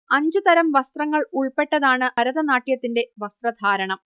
അഞ്ച് തരം വസ്ത്രങ്ങൾ ഉൾപ്പെട്ടതാണ് ഭരതനാട്യത്തിന്റെ വസ്ത്രധാരണം